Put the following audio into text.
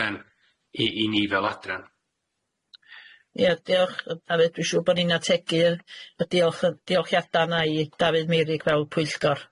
ben i i ni fel adran. Ie diolch yy Dafydd dwi siŵr bo' ni'n ategu y diolch y diolchiada yna i Dafydd Meurig fel Pwyllgor.